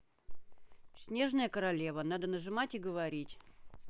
снежная королева надо нажимать и говорить